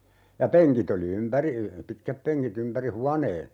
ja penkit oli ympäri pitkätpenkit ympäri huoneen